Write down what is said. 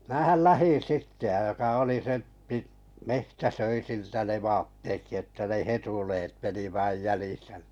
minähän lähdin sitten ja joka oli se - metsä söi siltä ne vaattetkin että ne hetuleet meni vain jäljissä niin